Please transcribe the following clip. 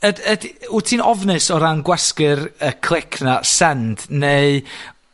yd- yd... Wt ti'n ofnus o ran gwasgu'r yy clic 'na send, neu